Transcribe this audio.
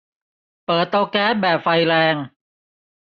เปิดเตาแก๊สแบบไฟแรง